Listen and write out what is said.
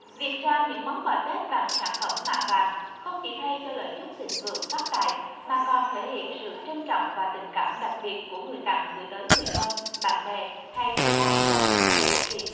việc trao những món quà tết bằng sản phẩm mạ vàng không chỉ thay cho lời chúc thịnh vượng phát tài mà còn thể hiện sự trân trọng và tình cảm đặc biệt của người tặng gửi tới người thân bạn bè hay đối tác trong dịp tết cổ truyền